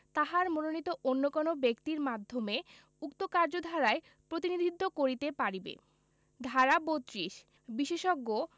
তাহার মনোনীত অন্য কোন ব্যক্তির মাধ্যমে উক্ত কার্যধারায় প্রতিনিধিত্ব করিতে পারিবে ধারা ৩২ বিশেষজ্ঞ